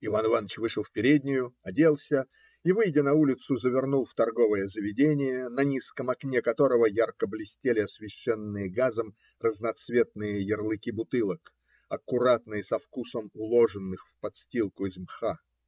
Иван Иваныч вышел в переднюю, оделся и, выйдя на улицу, завернул в торговое заведение, на низком окне которого ярко блестели освещенные газом разноцветные ярлыки бутылок, аккуратно и со вкусом уложенных в подстилку из мха.